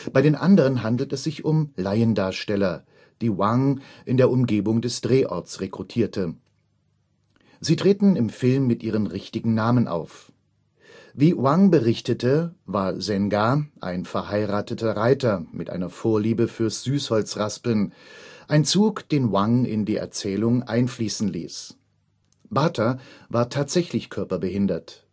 Bei den anderen handelt es sich um Laiendarsteller, die Wang in der Umgebung des Drehorts rekrutierte. Sie treten in Film mit ihrem richtigen Namen auf. Wie Wang berichtete, war Sen'ge ein verheirateter Reiter mit einer Vorliebe fürs Süßholzraspeln, ein Zug, den Wang in die Erzählung einfließen ließ. Bater war tatsächlich körperbehindert